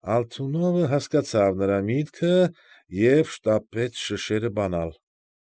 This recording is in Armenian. Ալթունովը հասկացավ նրա միտքը և շտապեց շշերը բանալ։